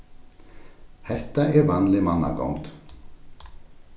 hetta er vanlig mannagongd